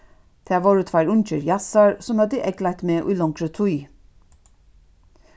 tað vóru tveir ungir jassar sum høvdu eygleitt meg í longri tíð